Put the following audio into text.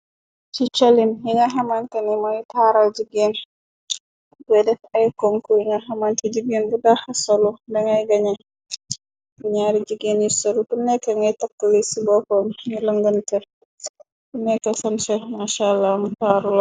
Ci calin yina xamankani moy taaral jiggeen, boy def ay konku yiño xamanti jiggeen bu daxa solu, dangay gañe, ñaari jigeen yi sëru, ko nekka ngay takkli ci boppo ni lëngënte bu nekka sanshe na chalamu taarul.